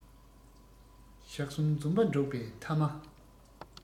ཞག གསུམ འཛོམས པ འགྲོགས པའི ཐ མ